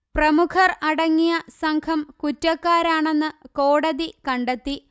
പ്രമുഖർ അടങ്ങിയ സംഘം കുറ്റക്കാരാണെന്ന് കോടതി കണ്ടെത്തി